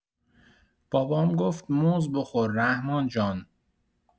بابام گفت موز بخور رحمان جان